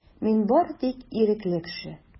Мин бары тик ирекле кеше.